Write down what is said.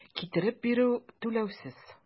Китереп бирү - түләүсез.